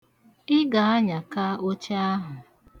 Ị ga-anyaka oche ahụ.